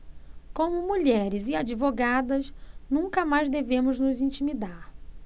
como mulheres e advogadas nunca mais devemos nos intimidar